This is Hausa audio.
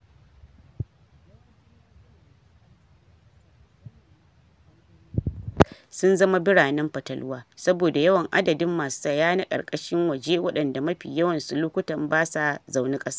Yawancin yankuna masu arziki a kasar - musamman ma a babban birnin kasar - sun zama "biranen fatalwa" saboda yawan adadin masu saya na kasashen waje waɗanda mafi yawan lokutan basa zaune kasar.